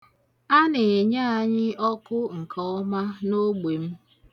Ana-enye anyị ọkụ nke ọma n'ogbe m.